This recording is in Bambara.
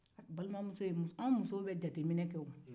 o balimanmuso in an muso bɛ jateminɛ kɛ o